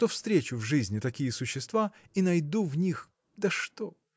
что встречу в жизни такие существа и найду в них. да что!